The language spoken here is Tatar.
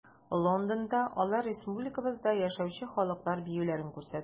Лондонда алар республикабызда яшәүче халыклар биюләрен күрсәтте.